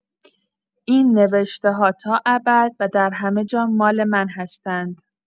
این نوشته‌ها تا ابد و در همه جا مال من هستند.